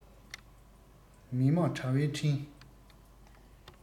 མི དམངས དྲ བའི འཕྲིན